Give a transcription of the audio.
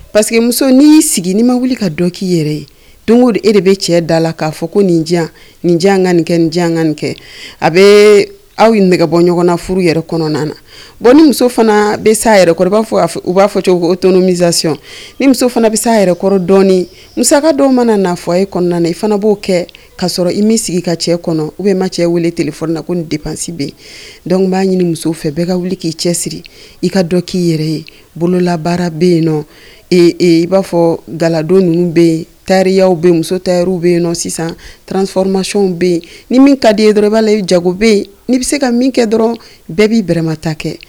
Paseke muso n' y'i sigi'i ma wuli ka dɔn k'i yɛrɛ ye don o e de bɛ cɛ da la k'a fɔ ko nin ni nin kɛka nin kɛ a bɛ aw nɛgɛ bɔ ɲɔgɔnna furu yɛrɛ kɔnɔna na bon ni muso fana bɛ se yɛrɛa fɔ u b'a fɔ cogo ton misasi ni muso fana bɛ se yɛrɛ kɔrɔ dɔnɔni musa dɔw mana'a fɔ a e kɔnɔna na i fana b'o kɛ k ka sɔrɔ i min sigi ka cɛ kɔnɔ u bɛ ma cɛ weele t fɔlɔ na ko depsi bɛ yen dɔw b'a ɲini muso fɛ bɛɛ ka wuli k'i cɛ siri i ka dɔn k'i yɛrɛ ye bololabaara bɛ yen nɔn i b'a fɔ gadon ninnu bɛ yen tariyaw bɛ muso ta bɛ yen nɔ sisan tranfamayw bɛ yen ni min ka di dɔrɔnba la i jago bɛ yen n' bɛ se ka min kɛ dɔrɔn bɛɛ b'i bɛrɛmata kɛ